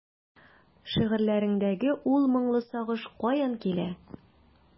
Шигырьләреңдәге ул моңлы сагыш каян килә?